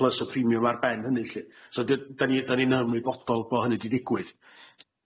plus y premium ar ben hynny lly so dy- dan ni dan ni'n ymwybodol bo' hynny di ddigwydd.